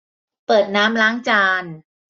เปิดน้ำล้างจาน